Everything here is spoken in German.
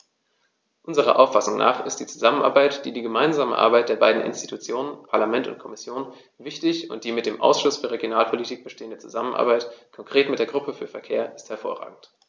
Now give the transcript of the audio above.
Unserer Auffassung nach ist die Zusammenarbeit, die gemeinsame Arbeit der beiden Institutionen - Parlament und Kommission - wichtig, und die mit dem Ausschuss für Regionalpolitik bestehende Zusammenarbeit, konkret mit der Gruppe für Verkehr, ist hervorragend.